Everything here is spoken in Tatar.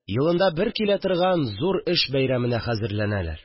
Елында бер килә торган зур эш бәйрәменә хәзерләнәләр